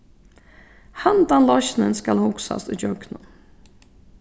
handan loysnin skal hugsast ígjøgnum